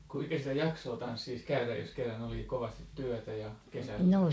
kuinka sitä jaksaa tansseissa käydä jos kerran oli kovasti työtä ja kesällä